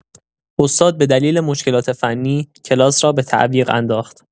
استاد به دلیل مشکلات فنی، کلاس را به تعویق انداخت.